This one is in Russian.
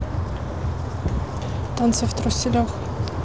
танцы в труселях